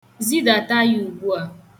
Zidata ya ugbua.